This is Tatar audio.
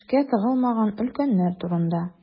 Эшкә тыгылмаган өлкәннәр турында.